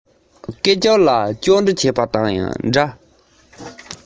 སྐད ཅོར ལ ཅོ འདྲི བྱེད པ དང ཡང འདྲ